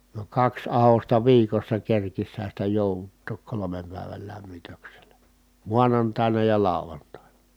niin kaksi ahdosta viikossa kerkisihän sitä jouduttaa kolmen päivän lämmityksellä maanantaina ja lauantaina